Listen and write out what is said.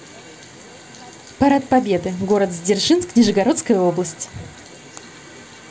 парад победы город дзержинск нижегородская область